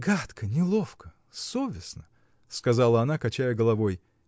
— Гадко, неловко, совестно, — сказала она, качая головой.